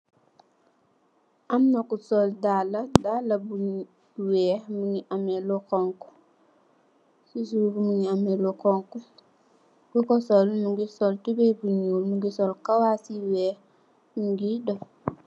Amna ku sol dalla dalla bu weex muge ameh lu xonxo se suuf muge ameh lu xonxo koku sol muge sol tubaye bu nuul muge sol kawass ye weex muge def.